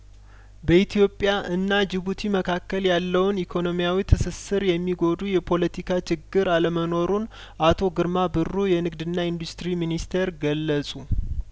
በኢትዮጵያ እና ጂቡቲ መካከል ያለውን ኢኮኖሚያዊ ትስስር የሚጐዱ የፖለቲካ ችግር አለመኖሩን አቶ ግርማ ብሩ የንግድና ኢንዱስትሪ ሚኒስቴር ገለጹ